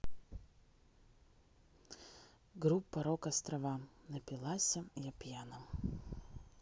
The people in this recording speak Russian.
группа рок острова напилася я пьяна